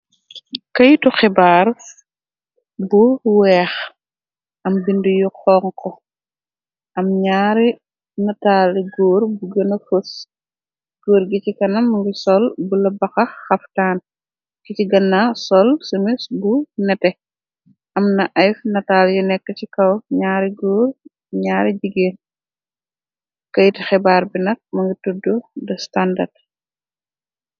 Këytu hebaar bu weeh am bindi yu honku, am ñaari nataali góor bu gëna fos. Góor gi ci kanam mungi sol bulo bahah haftaan ki ci gënna sol semis bu nete. Am na ay nataal yu nekk ci kaw, ñaari góor ñaari jigéen. Këytu hebaar bi nak mu ngi tuddu da standard.